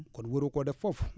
kon waroo koo def foofu